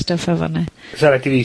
stwff o fan 'na. 'Sa raid i fi...